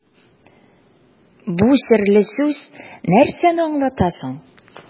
Бу серле сүз нәрсәне аңлата соң?